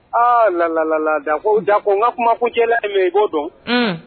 Aa la la la ko ja ko n ka kumakunjɛme ko dɔn